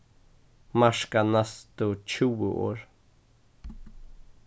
marka næstu tjúgu orð